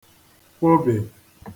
kwobe